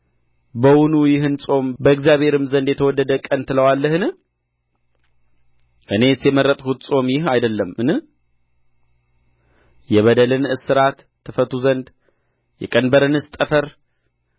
በውኑ ይህን ጾም በእግዚአብሔርም ዘንድ የተወደደ ቀን ትለዋለህን እኔስ የመረጥሁት ጾም ይህ አይደለምን የበደልን እስራት ትፈቱ ዘንድ የቀንበርንስ ጠፍር